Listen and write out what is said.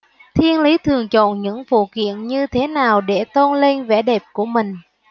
thiên lý thường chọn những phụ kiện như thế nào để tôn lên vẻ đẹp của mình